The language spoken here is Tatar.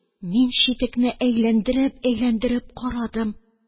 Мин читекне әйләндереп-әйләндереп карадым